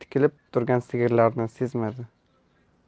tikilib turgan sigirlarni sezmadi